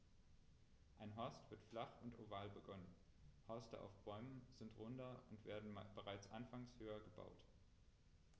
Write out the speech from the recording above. Ein Horst wird flach und oval begonnen, Horste auf Bäumen sind runder und werden bereits anfangs höher gebaut.